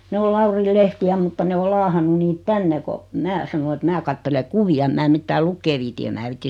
ne on Laurin lehtiä mutta ne on laahannut niitä tänne kun minä sanoin että minä katselen kuvia en minä mitään lukea viitsi en minä viitsi